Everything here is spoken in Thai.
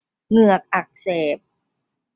เหงือกอักเสบ